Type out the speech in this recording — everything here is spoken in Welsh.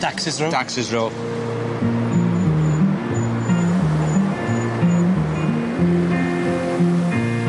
Daxes Row? Daxes Row.